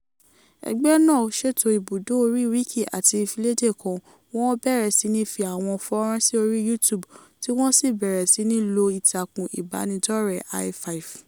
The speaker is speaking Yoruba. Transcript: Ẹgbẹ́ náà ṣètò ibùdó orí Wiki àti ìfiléde kan, wọ́n bẹ̀rẹ̀ sí ní fi àwọn fọ́nràn sí orí YouTube, tí wọ́n sì bẹ̀rẹ̀ sí ní lo ìtakùn ìbánidọ́rẹ̀ẹ́ Hi-5.